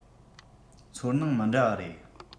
ཚོར སྣང མི འདྲ བ རེད